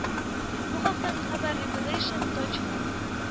Бу хактагы хәбәр регулэйшн точка